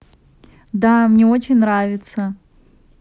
да очень нравится